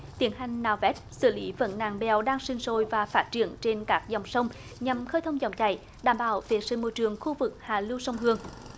tiến hành nạo vét xử lý vấn nạn béo đang sinh sôi và phát triển trên các dòng sông nhằm khơi thông dòng chảy đảm bảo vệ sinh môi trường khu vực hạ lưu sông hương